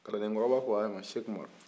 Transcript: kalandenkɔrɔba ko a ma sɛk umaru